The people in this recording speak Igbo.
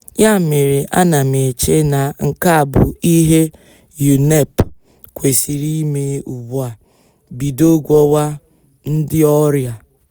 Ya mere, ana m eche na nke ahụ bụ ihe UNEP kwesiri ime ugbu a: bido gwọwa ndị ọrịa.